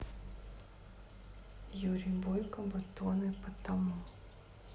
юрий бойка батоны потому